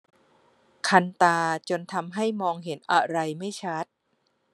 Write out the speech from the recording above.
คันตาจนทำให้มองเห็นอะไรไม่ชัด